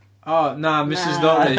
O na Mrs Noris.